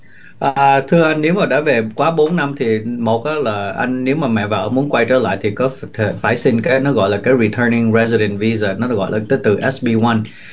à thưa nếu mà đã về quá bốn năm thì một ớ là anh nếu mà mẹ vợ muốn quay trở lại thì có thể phải xin cái nó gọi là cái rì thai đing re di đừn vi dờ nó được gọi là cái từ ét bi oăn